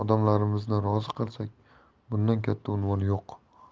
odamlarimizni rozi qilsak bundan katta unvon yo'q